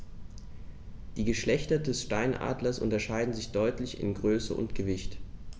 Die Geschlechter des Steinadlers unterscheiden sich deutlich in Größe und Gewicht.